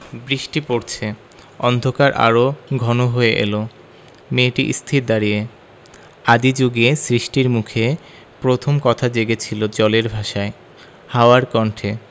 বৃষ্টি পরছে অন্ধকার আরো ঘন হয়ে এল মেয়েটি স্থির দাঁড়িয়ে আদি জুগে সৃষ্টির মুখে প্রথম কথা জেগেছিল জলের ভাষায় হাওয়ার কণ্ঠে